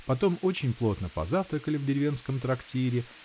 потом очень плотно позавтракали в деревенском трактире